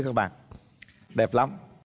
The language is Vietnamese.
các bạn đẹp lắm